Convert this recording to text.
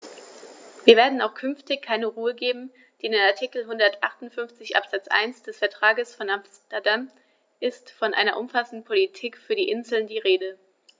Wir werden auch künftig keine Ruhe geben, denn in Artikel 158 Absatz 1 des Vertrages von Amsterdam ist von einer umfassenden Politik für die Inseln die Rede.